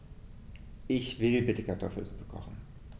Ich will bitte Kartoffelsuppe kochen.